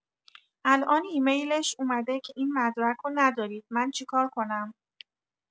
الان ایمیلش اومده که این مدرکو ندارید من چیکار کنم؟